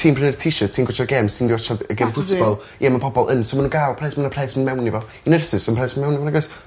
ti'n prynu'r t shirt ti'n gwatsio gems ti'n gwatsiad y gem football. Ie ma' pobol yn. So ma' nw'n ga'l pres ma' 'na pres myn' mewn i fo. Nyrsys 'sim pres myn' mewn i fe nagos?